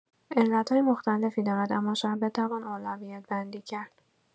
علت‌های مختلفی دارد، اما شاید بتوان اولویت‌بندی کرد.